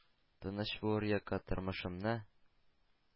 «тыныч булыр йокы, тормышымны